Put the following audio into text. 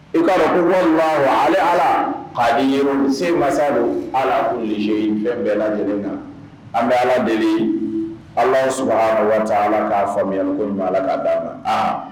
I ka wale ale ala a se masa don ala'se in fɛn bɛɛ lajɛlen na an bɛ ala deli ala s waati ala k'a fɔyan bɛ ala k' d di a ma a